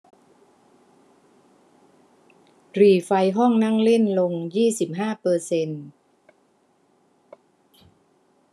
หรี่ไฟห้องนั่งเล่นลงยี่สิบห้าเปอร์เซ็นต์